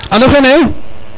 ano xene ye